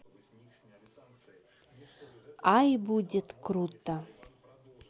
ай будет круто